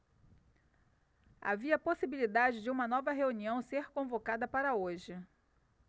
havia possibilidade de uma nova reunião ser convocada para hoje